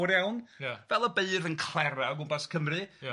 ...fel y beurdd yn clera o gwmpas Cymru... Ia.